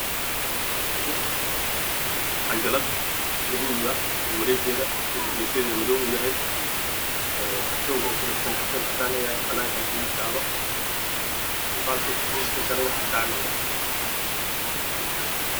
Meeshaan waxaa iga muuqdo cajalad guduud ah oo geeseedu madow yahay kordoonka ay ku jirtana uu cadaan yahay